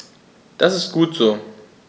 Das ist gut so.